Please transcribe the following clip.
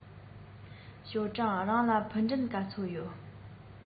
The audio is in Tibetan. ཞའོ ཀྲང རང ལ ཕུ འདྲེན ག ཚོད ཡོད